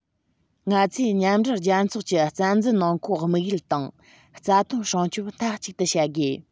ང ཚོས མཉམ འབྲེལ རྒྱལ ཚོགས ཀྱི རྩ འཛིན ནང འཁོད དམིགས ཡུལ དང རྩ དོན སྲུང སྐྱོང མཐའ གཅིག ཏུ བྱ དགོས